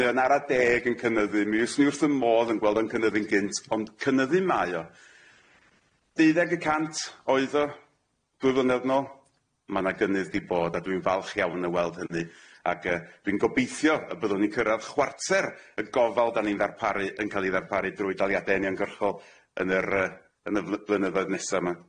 Mae o'n ara deg yn cynyddu mi 'yswn i wrth fy modd yn gweld yn cynyddu'n gynt ond cynyddu mae o. Deuddeg y cant oedd o dwy flynedd nôl ma' 'na gynnydd 'di bod a dwi'n falch iawn o weld hynny ac yy dwi'n gobeithio y byddwn i'n cyrradd chwarter y gofal 'dan ni'n ddarparu yn ca'l i ddarparu drwy daliade uniongyrchol yn yr yy yn y fly- blynyddoedd nesa 'ma.